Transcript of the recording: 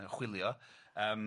yn chwilio yym